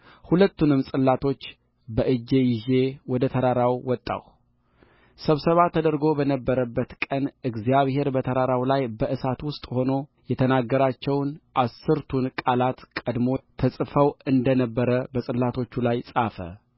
ሁለቱንም ጽላቶች በእጄ ይዤ ወደ ተራራው ወጣሁ ስብሰባ ተደርጎ በነበረበትም ቀን እግዚአብሔር በተራራው ላይ በእሳት ውስጥ ሆኖ የተናገራችሁን አሠርቱን ቃላት ቀድሞ ተጽፈው እንደ ነበረ በጽላቶቹ ላይ ጻፈ